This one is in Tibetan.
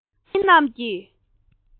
ཁྱོད ཚོ མི རྣམས ཀྱིས